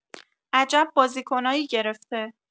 عجب بازیکنایی گرفته